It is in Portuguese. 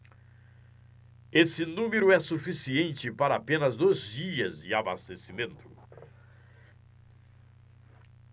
esse número é suficiente para apenas dois dias de abastecimento